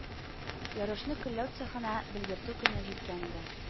Ярышны көлләү цехына белгертү көне җиткән иде